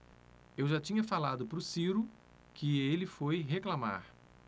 eu já tinha falado pro ciro que ele foi reclamar